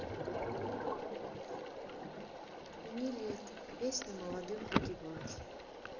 niletto песня молодым погибать